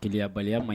T gɛlɛyabaliya ma ye